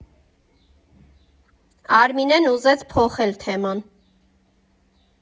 Արմինեն ուզեց փոխել թեման.